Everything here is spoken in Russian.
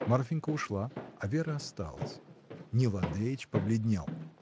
Марфинька ушла, а Вера осталась. Нил Андреич побледнел.